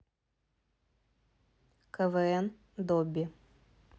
квн добби